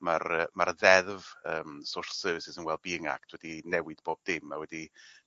Ma'r yy ma'r ddeddf yym Social Services an' Wellbeing Act wedi newid bob dim ma' wedi